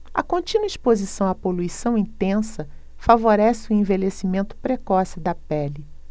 a contínua exposição à poluição intensa favorece o envelhecimento precoce da pele